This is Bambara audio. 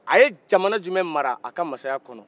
a ye jamana jumɛ mara a ka masaya kɔnɔ